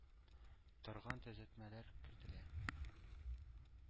Торган төзәтмәләр кертелде.